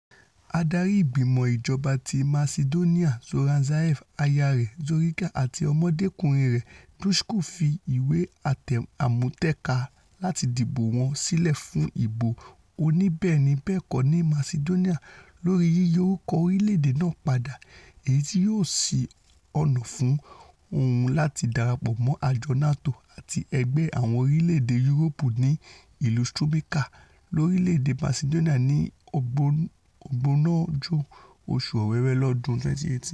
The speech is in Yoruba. Adarí Ìgbìmọ Ìjọba ti Masidóníà Zoran Zaev, aya rẹ̀ Zorica àti ọmọdékùnrin rẹ̀ Dushko fi ìwé àmútẹ̀kasí láti dìbò wọn sílẹ̀ fún ìbò oníbẹ́ẹ̀ni-bẹ́ẹ̀kọ́ ní Masidónía lori yíyí orúkọ orílẹ̀-èdè náà pada èyití yóò sí ọ̀nà fún un láti darapọ mọ àjọ NATO àti Ẹgbẹ́ Àwọn Orilẹ'ede Yuroopu ní ìlú Strumica, lorílẹ̀-èdè Masidóníà ni ọgbọ̀nọ́jọ́ oṣù Owewe ĺọ̀dún 2018.